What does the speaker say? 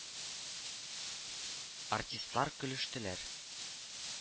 Артистлар көлештеләр